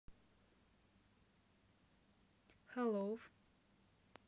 hollow